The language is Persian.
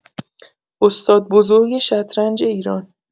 استاد بزرگ شطرنج ایران